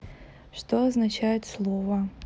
что обозначает слово